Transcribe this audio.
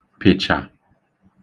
pị̀(chà)